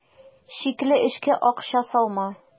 Шикле эшкә акча салма.